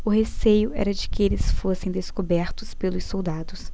o receio era de que eles fossem descobertos pelos soldados